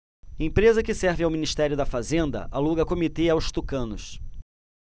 empresa que serve ao ministério da fazenda aluga comitê aos tucanos